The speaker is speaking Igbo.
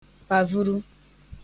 pàvuru